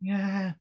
Ie.